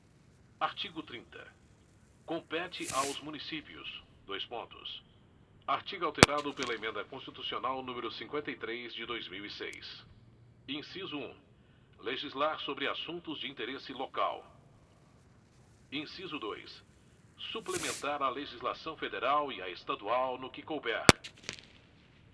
artigo trinta compete aos municípios dois pontos artigo alterado pela emenda constitucional número cinquenta e três de dois mil e seis inciso um legislar sobre assuntos de interesse local inciso dois suplementar a legislação federal e a estadual no que couber